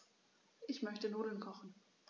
Ich möchte Nudeln kochen.